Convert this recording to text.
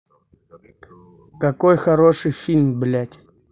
какой хороший фильм блядь